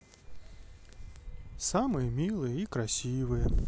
самые милые и красивые